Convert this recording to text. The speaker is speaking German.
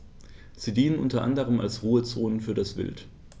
Sie dienen unter anderem als Ruhezonen für das Wild.